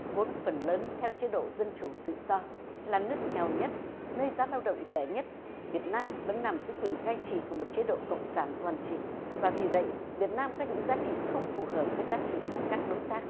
vốn phần lớn theo chế độ dân chủ tự do là nước nghèo nhất nơi giá lao động rẻ nhất việt nam vẫn nằm dưới quyền cai trị của một chế độ cộng sản toàn trị và vì vậy việt nam có những giá trị không phù hợp với giá trị của các đối tác